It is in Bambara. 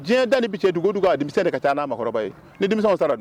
Diɲɛ danani bi cɛ dugu dun a denmisɛn ka taa'kɔrɔba ye